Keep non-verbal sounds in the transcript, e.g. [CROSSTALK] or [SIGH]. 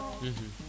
[HESITATION] [HESITATION]